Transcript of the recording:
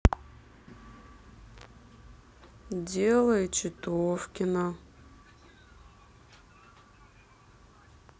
дело ичитовкина